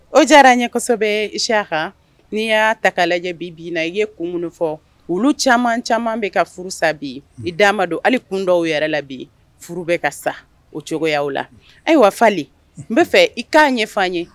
O diyara ɲɛ siya kan n'i y'a takala bin bin na i ye kunmfɔ olu caman caman bɛ ka furusa bi i' ma don hali kun dɔw yɛrɛ la bi furu bɛ ka sa o cogoya la ayiwa falen n' fɛ i k' ɲɛfan ye